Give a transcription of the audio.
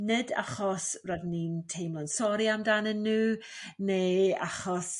nid achos rydyn ni'n teimlo'n sori amdanyn n'w neu achos